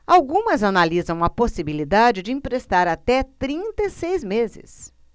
algumas analisam a possibilidade de emprestar até trinta e seis meses